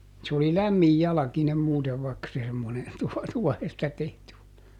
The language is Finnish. se oli lämmin jalkine muuten vaikka se semmoinen - tuohesta tehty oli